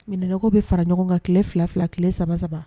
Minɛnɔgɔ bɛ fara ɲɔgɔn kan ki fila fila ki saba saba